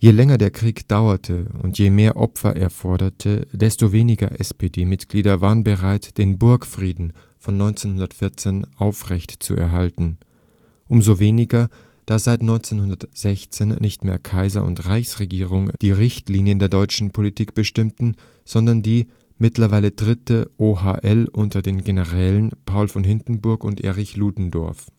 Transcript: länger der Krieg dauerte und je mehr Opfer er forderte, desto weniger SPD-Mitglieder waren bereit, den „ Burgfrieden “von 1914 aufrechtzuerhalten: umso weniger, da seit 1916 nicht mehr Kaiser und Reichsregierung die Richtlinien der deutschen Politik bestimmten, sondern die – mittlerweile dritte – OHL unter den Generälen Paul von Hindenburg und Erich Ludendorff